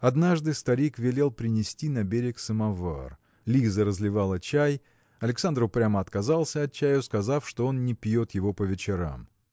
Однажды старик велел принести на берег самовар. Лиза разливала чай. Александр упрямо отказался от чаю сказав что он не пьет его по вечерам.